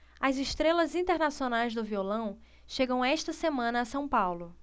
as estrelas internacionais do violão chegam esta semana a são paulo